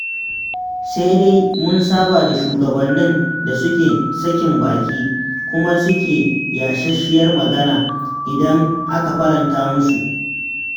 Sai dai mun saba da shugabannin da suke sakin baki, kuma suke yasasshiyar magana idan aka faranta musu.